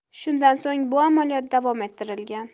shundan so'ng bu amaliyot davom ettirilgan